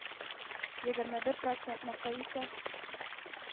Егерме бер процентыныкы исә